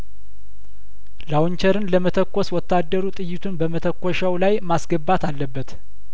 ላውንቸርን ለመተኮስ ወታደሩ ጥይቱን በመተኮሻው ላይ ማስገባት አለበት